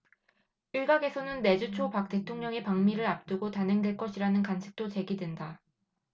일각에서는 내주 초 박 대통령의 방미를 앞두고 단행될 것이라는 관측도 제기된다